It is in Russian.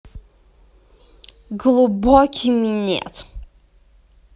глубокий минет